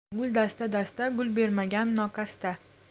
gul dasta dasta gul bermagan nokasta